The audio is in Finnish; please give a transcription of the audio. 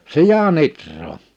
sian ihraa